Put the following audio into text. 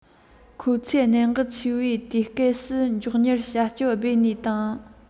ཁོ ཚོས གནད འགག ཆེ བའི དུས སྐབས སུ མགྱོགས མྱུར བྱ སྤྱོད སྤེལ ནས དང